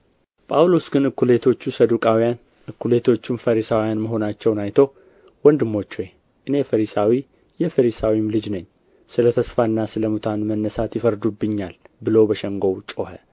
ጳውሎስ ግን እኵሌቶቹ ሰዱቃውያን እኵሌቶቹም ፈሪሳውያን መሆናቸውን አይቶ ወንድሞች ሆይ እኔ ፈሪሳዊ የፈሪሳዊም ልጅ ነኝ ስለ ተስፋና ስለ ሙታን መነሣት ይፈርዱብኛል ብሎ በሸንጎው ጮኸ